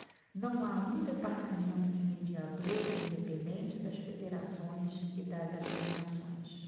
não há um departamento de mediadores independente das federações e das agremiações